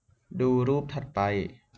ดูรูปถัดไป